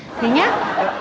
thế nhá